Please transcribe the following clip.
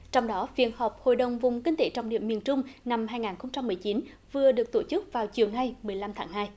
trong đó phiên họp hội đồng vùng kinh tế trọng điểm miền trung năm hai nghìn không trăm mười chín vừa được tổ chức vào chiều nay mười lăm tháng hai